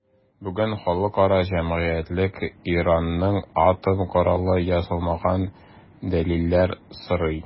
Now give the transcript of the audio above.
Бүген халыкара җәмәгатьчелек Иранның атом коралы ясамавына дәлилләр сорый.